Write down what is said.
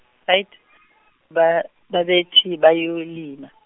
bayt- ba- babethi bayolima.